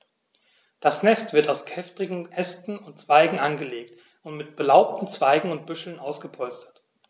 Das Nest wird aus kräftigen Ästen und Zweigen angelegt und mit belaubten Zweigen und Büscheln ausgepolstert.